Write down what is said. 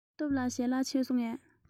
སྟོབས ལགས ཞལ ལག མཆོད སོང ངས